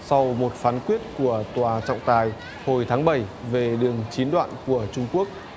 sau một phán quyết của tòa trọng tài hồi tháng bẩy về đường chín đoạn của trung quốc